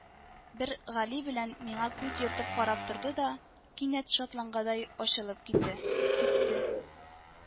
Бер гали белән миңа күз йөртеп карап торды да, кинәт шатлангандай ачылып китте китте